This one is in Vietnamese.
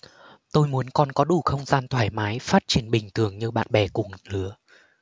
tôi muốn con có đủ không gian thoải mái phát triển bình thường như bạn bè cùng lứa